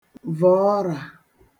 vọ̀ ọrà